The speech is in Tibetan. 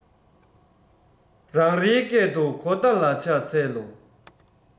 རང རེའི སྐད དུ གོ བརྡ ལ ཕྱག འཚལ ལོ